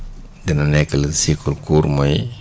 dana nekk le cycle court mooy